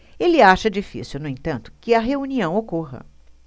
ele acha difícil no entanto que a reunião ocorra